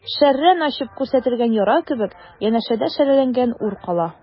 Шәрран ачып күрсәтелгән яра кебек, янәшәдә шәрәләнгән ур кала.